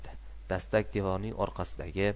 dastak devorning orqasidagi